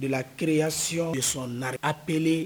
Dela kireyasiy de son4re aple